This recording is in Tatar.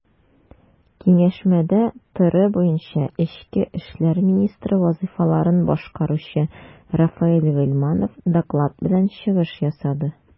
Киңәшмәдә ТР буенча эчке эшләр министры вазыйфаларын башкаручы Рафаэль Гыйльманов доклад белән чыгыш ясады.